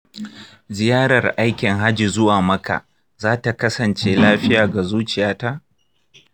ziyarar aikin hajji zuwa makka za ta kasance lafiya ga zuciyata?